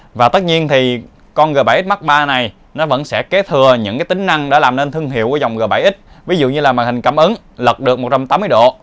và tất nhiên con g x mark iii này vẫn sẽ kế thừa những tính năng đã làm nên thương hiệu của dòng g x ví dụ như màn hình cảm ứng lật được độ